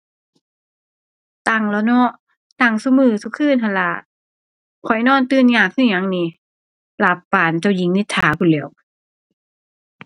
ตั้งแล้วเนาะ ตั้งซุมื้อซุคืนหั้นล่ะ ข้อยนอนตื่นยากคือหยังหนิ หลับปานเจ้าหญิงนิทราพู้นแหล้ว